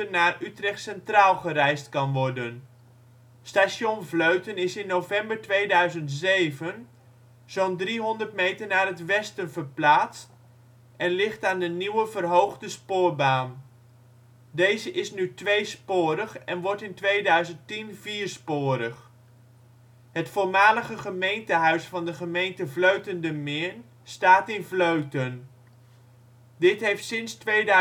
naar Utrecht Centraal gereisd kan worden. Station Vleuten is in november 2007 zo 'n 300 meter naar het westen verplaatst, en ligt aan de nieuwe verhoogde spoorbaan. Deze is nu tweesporig, en wordt in 2010 viersporig. Het voormalige gemeentehuis van de gemeente Vleuten-De Meern staat in Vleuten. Dit heeft sinds 2001 de